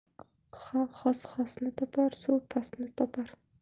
xos xosni topar suv pastni topar